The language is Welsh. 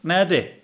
Na 'di.